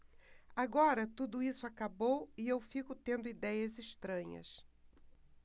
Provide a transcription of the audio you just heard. agora tudo isso acabou e eu fico tendo idéias estranhas